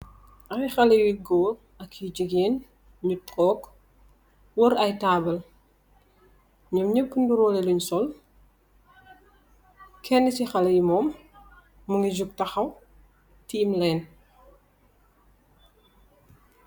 Aye kalle you gorr ak you jegueen nougui tok worr tabol nyom nyeb nerro lung sol kenne cii kalle yii mougui johk tahaw team leen